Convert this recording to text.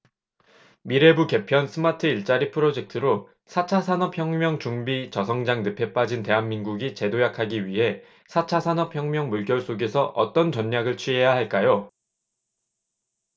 미래부 개편 스마트일자리 프로젝트로 사 차 산업혁명 준비 저성장 늪에 빠진 대한민국이 재도약하기 위해 사 차 산업혁명 물결 속에서 어떤 전략을 취해야 할까요